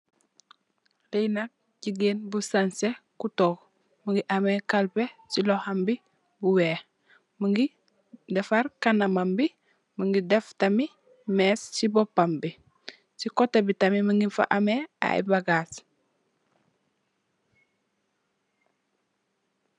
Taye nag jigéen bu sangseh ku toog mungi ameh kalpeh ci loham bi weeh. Mungi defar kanamam bi, mungi deff tamit mess ci poppam bi, ci koteh bi tamit mung fa ameh ay bagaas.